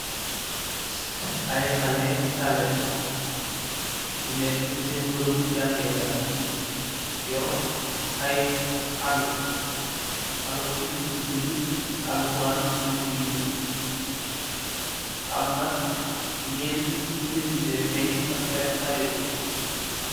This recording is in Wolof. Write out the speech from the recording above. Aiiy khaleh talibeh yu nekue cii sen beureubu jangeh kaii, yorr aiiy halwah, halwah yii njung cii bindue Al Qur'an cii bindue yu njull, amna njenti gigain yuu sehh fengh ak benah haleh gorre.